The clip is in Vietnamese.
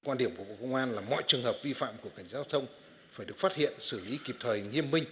quan điểm của bộ công an là mọi trường hợp vi phạm của cảnh giao thông phải được phát hiện xử lý kịp thời nghiêm minh